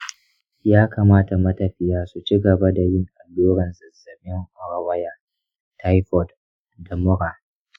ya kamata matafiya su ci gaba da yin alluran zazzabin rawaya , taifoid , da mura.